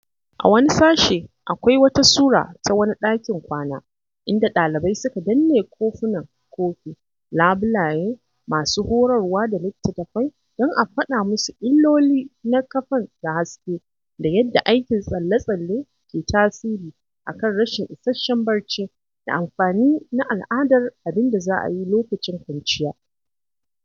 A wani sashe akwai wata sura ta wani ɗakin kwana, inda ɗalibai suka danne kofunan kofi, labulaye, masu horarwa da litattafai don a fada musu illoli na kafen da haske da yadda aikin tsale-tsalle ke tasiri a kan rashin isasshen barci, da amfani na al’adar abin da za a yi lokacin kwanciya.